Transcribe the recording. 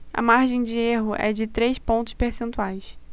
a margem de erro é de três pontos percentuais